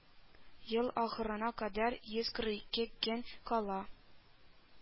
Ел ахырына кадәр йөз кырык ике көн кала